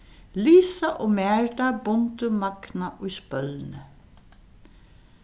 lisa og marita bundu magna í spølni